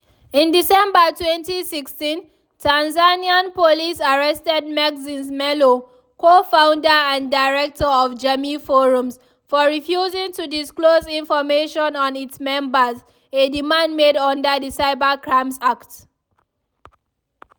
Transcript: In December 2016, Tanzanian police arrested Maxence Melo, co-founder, and director of Jamii Forums, for refusing to disclose information on its members, a demand made under the Cybercrimes Act.